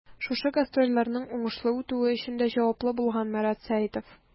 Шушы гастрольләрнең уңышлы үтүе өчен дә җаваплы булган Марат Сәитов.